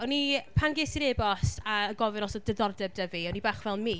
O'n i... pan ges i'r e-bost a gofyn os oedd diddordeb 'da fi, o'n i bach fel me?